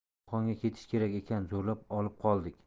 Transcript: qo'qonga ketishi kerak ekan zo'rlab olib qoldik